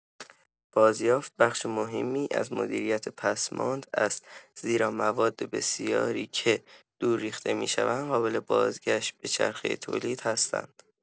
بازیافت، بخش مهمی از مدیریت پسماند است زیرا مواد بسیاری که دور ریخته می‌شوند، قابل بازگشت به چرخه تولید هستند.